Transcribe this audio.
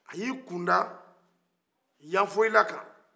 a ye a kunda yafɔlila kan